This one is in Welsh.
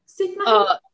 O!